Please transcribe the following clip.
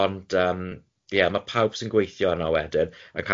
Ond yym ie ma' pawb sy'n gweithio yno wedyn yn cal